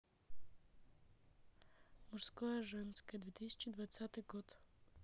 мужское женское две тысячи двадцатый год